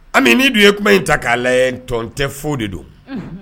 An ni dun ye kuma in ta k'a latɔn tɛ fo de don